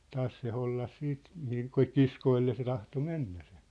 taas se hollasi sitten mihin - kiskoille se tahtoi mennä se